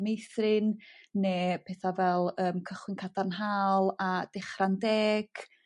Meithrin ne' pethau fel yym Cychwyn Cadarnhaol a Dechra'n Deg.